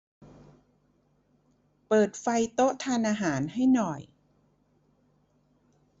เปิดไฟโต๊ะทานอาหารให้หน่อย